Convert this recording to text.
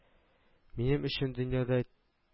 — минем өчен дөньяда